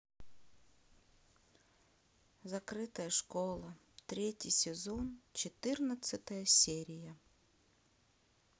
закрытая школа третий сезон четырнадцатая серия